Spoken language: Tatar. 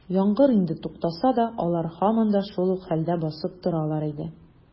Яңгыр инде туктаса да, алар һаман да шул ук хәлдә басып торалар иде.